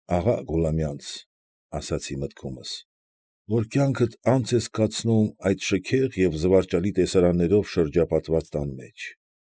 Աղա Գուլամյանց, ֊ ասացի մտքումս, ֊ որ կյանքդ անց ես կացնում այդ շքեղ և զվարճալի տեսարաններով շրջապատված տան մեջ։